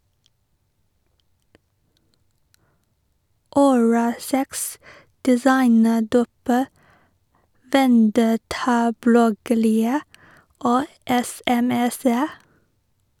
Oralsex, designerdop, vendettabloggere og sms-er.